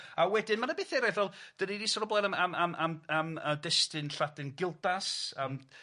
A wedyn ma' 'na bethe erill fel 'dan ni 'di sôn o blaen am am am am y destun Lladin Gildas, yym